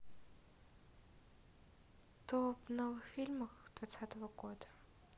топ новых фильмов двадцатого года